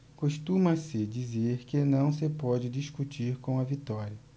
costuma-se dizer que não se pode discutir com a vitória